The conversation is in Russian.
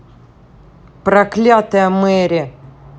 проклятая мэри